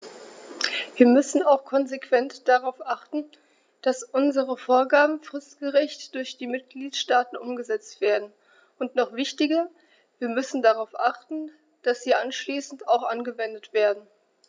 Wir müssen auch konsequent darauf achten, dass unsere Vorgaben fristgerecht durch die Mitgliedstaaten umgesetzt werden, und noch wichtiger, wir müssen darauf achten, dass sie anschließend auch angewendet werden.